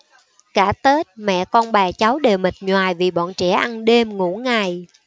cả tết mẹ con bà cháu đều mệt nhoài vì bọn trẻ ăn đêm ngủ ngày